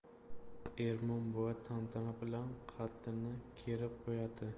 ermon buva tantana bilan qaddini kerib qo'yadi